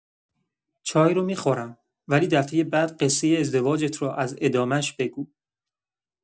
چای رو می‌خورم، ولی دفعه بعد قصه ازدواجت رو از ادامه‌ش بگو.